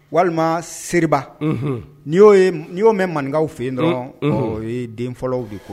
Walima seba n'i n'i'o mɛn maninkaw fɛ yen nɔ ye den fɔlɔw de kɔ